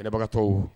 Bagatɔ